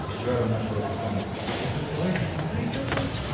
– с жаром начал Александр, – вы подсылаете смотреть за мной?